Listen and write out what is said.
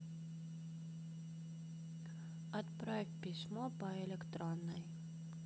отправь письмо по электронной